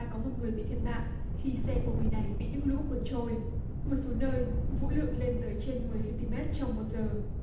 có một người bị thiệt mạng khi xe của người này bị nước lũ cuốn trôi một số nơi vũ lượng lên tới trên mười xen ti mét trong một giờ